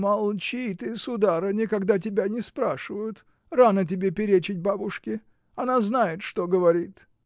— Молчи ты, сударыня, когда тебя не спрашивают: рано тебе перечить бабушке! Она знает, что говорит!